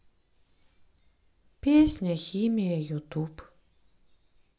песня химия ютуб